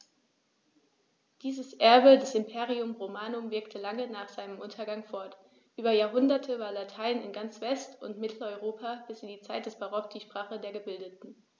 Dieses Erbe des Imperium Romanum wirkte lange nach seinem Untergang fort: Über Jahrhunderte war Latein in ganz West- und Mitteleuropa bis in die Zeit des Barock die Sprache der Gebildeten.